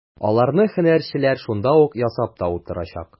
Аларны һөнәрчеләр шунда ук ясап та утырачак.